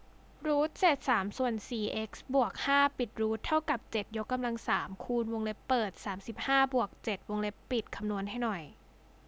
รูทเศษสามส่วนสี่เอ็กซ์บวกห้าปิดรูทเท่ากับเจ็ดยกกำลังสามคูณวงเล็บเปิดสามสิบห้าบวกเจ็ดวงเล็บปิดคำนวณให้หน่อย